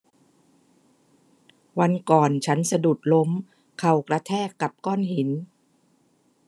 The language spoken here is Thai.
วันก่อนฉันสะดุดล้มเข่ากระแทกกับก้อนหิน